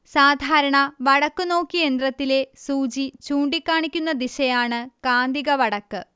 സാധാരണ വടക്കുനോക്കിയന്ത്രത്തിലെ സൂചി ചൂണ്ടികാണിക്കുന്ന ദിശയാണ് കാന്തിക വടക്ക്